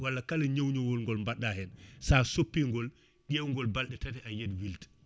walla kala ñaaw ñawol gol baɗɗa hen sa soppi ngol ƴewgol balɗe tati ayiiyat wilta